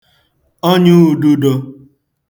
ọnyāūdūdō